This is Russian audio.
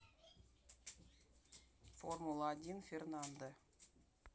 формула один фернандо